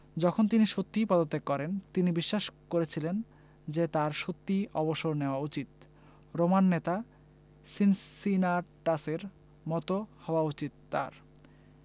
যখন তিনি সত্যিই পদত্যাগ করেন তিনি বিশ্বাস করেছিলেন যে তাঁর সত্যিই অবসর নেওয়া উচিত রোমান নেতা সিনসিনাটাসের মতো হওয়া উচিত তাঁর